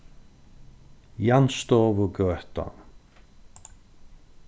jansstovugøta